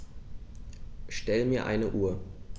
Stell mir eine Uhr.